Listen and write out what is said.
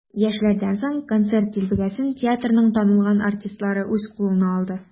Яшьләрдән соң концерт дилбегәсен театрның танылган артистлары үз кулына алды.